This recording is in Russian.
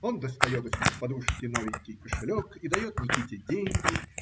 Он достает из-под подушки новенький кошелек и дает Никите деньги.